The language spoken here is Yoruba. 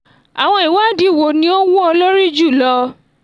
Àwọn ìwádìí wo ni wọ́n wú ọ lórí jùlọ?